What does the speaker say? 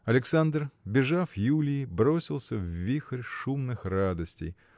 Александр, бежав Юлии, бросился в вихрь шумных радостей.